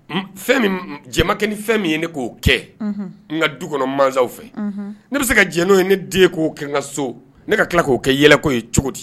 Fɛn jamakɛ ni fɛn min ye ne k'o kɛ n nka du kɔnɔ mansaw fɛ ne bɛ se ka jɛnɛ n'o ye ne den k'o kɛ n ka so ne ka tila k'o kɛ yɛlɛko ye cogo di